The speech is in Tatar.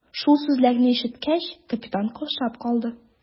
Шул сүзләрне ишеткәч, капитан каушап калды.